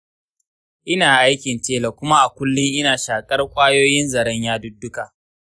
ina aikin tela kuma a kullum ina shaƙar ƙwayoyin zaren yadudduka.